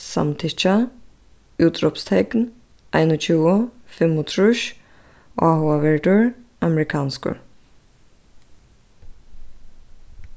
samtykkja útrópstekn einogtjúgu fimmogtrýss áhugaverdur amerikanskur